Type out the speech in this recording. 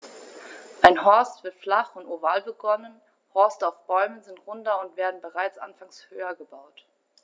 Ein Horst wird flach und oval begonnen, Horste auf Bäumen sind runder und werden bereits anfangs höher gebaut.